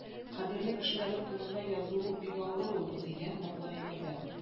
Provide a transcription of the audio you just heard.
Кадерле кешеләрең турында язу бик авыр ул дигән ныклы фикердәмен.